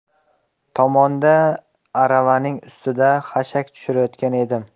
tomonda aravaning ustidan xashak tushirayotgan edim